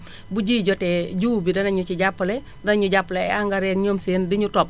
bu ji jotee jiwu bi danañu ci jàppale danañu jàppale ay engrais ak ñoom seen diñu topp